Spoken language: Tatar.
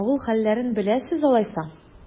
Авыл хәлләрен беләсез алайса?